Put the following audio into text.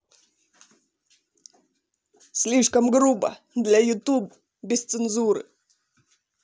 слишком грубо для youtube без цензуры